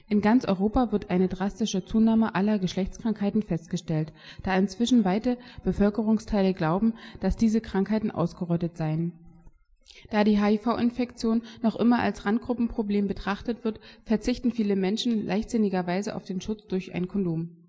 ganz Europa wird eine drastische Zunahme aller Geschlechtskrankheiten festgestellt, da inzwischen weite Bevölkerungsteile glauben, dass diese Krankheiten ausgerottet seien. Da die HIV-Infektion noch immer als Randgruppenproblem betrachtet wird, verzichten viele Menschen leichtsinnigerweise auf den Schutz durch ein Kondom